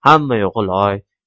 hamma yog'i loy